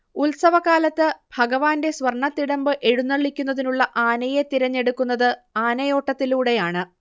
ഉത്സവകാലത്ത് ഭഗവാന്റെ സ്വർണ്ണതിടമ്പ് എഴുന്നള്ളിക്കുന്നതിനുള്ള ആനയെ തിരഞ്ഞെടുക്കുന്നത് ആനയോട്ടത്തിലൂടെയാണ്